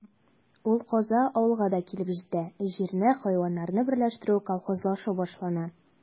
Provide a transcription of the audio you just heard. Ул каза авылга да килеп җитә: җирне, хайваннарны берләштерү, колхозлашу башлана.